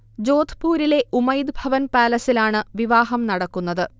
ജോഥ്പൂരിലെ ഉമൈദ് ഭവൻ പാലസിലാണ് വിവാഹം നടക്കുന്നത്